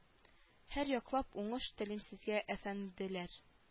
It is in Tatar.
Һәрьяклап уңыш телим сезгә әфәнделәр